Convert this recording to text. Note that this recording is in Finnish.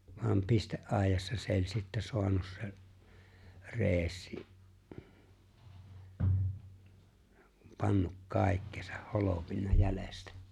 vaan pisteaidassa se oli sitten saanut se Reessi kun pannut kaikkensa holpinut jäljestä